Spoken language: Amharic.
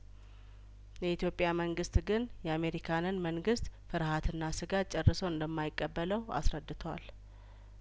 የኢትዮጵያ መንግስት ግን የአሜሪካንን መንግስት ፍርሀትና ስጋት ጨርሶ እንደማይቀበለው አስረድቷል